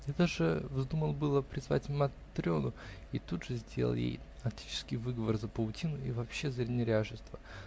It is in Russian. Я даже вздумал было призвать Матрену и тут же сделал ей отеческий выговор за паутину и вообще за неряшество